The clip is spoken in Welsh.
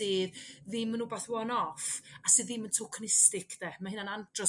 ddim yn 'wbath one off a sydd ddim yn tokenistic de? Ma' hyna'n andros